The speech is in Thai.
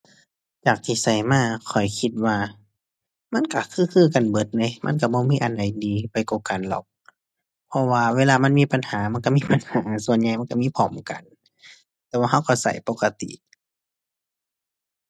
จากที่ใช้มาข้อยคิดว่า มันใช้คือคือกันเบิดเดะ มันใช้บ่มีอันใดดีไปกว่ากันหรอก เพราะว่าเวลามันมีปัญหามันใช้มีปัญหา ส่วนใหญ่มันใช้มีพร้อมกัน แต่ว่าใช้ใช้ใช้ปกติ